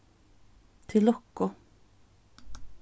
til lukku